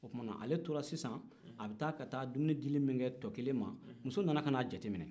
o tumana ale tora sisan ka taa dumuni dili min kɛ tɔ kelenma muso na na jateminɛ